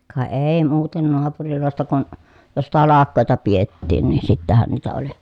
ka ei muuten naapureista kun jos talkoita pidettiin niin sittenhän niitä oli